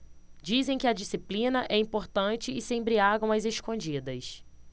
dizem que a disciplina é importante e se embriagam às escondidas